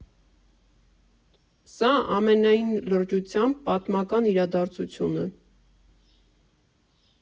Սա, ամենայն լրջությամբ, պատմական իրադարձություն է.